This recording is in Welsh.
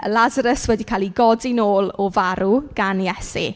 Lasarus wedi cael ei godi nôl o farw gan Iesu.